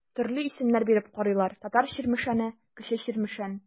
Төрле исемнәр биреп карыйлар: Татар Чирмешәне, Кече Чирмешән.